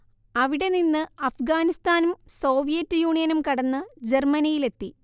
അവിടെ നിന്ന് അഫ്ഗാനിസ്ഥാനും സോവിയറ്റ് യൂണിയനും കടന്ന് ജർമ്മനിയിലെത്തി